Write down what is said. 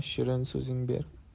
shirin so'zingni ber